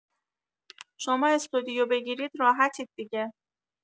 شما استودیو بگیرید راحتید دیگه